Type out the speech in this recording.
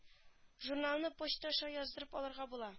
Журналны почта аша яздырып алырга була